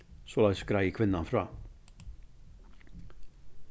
soleiðis greiðir kvinnan frá